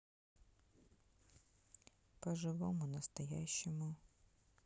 по живому настоящему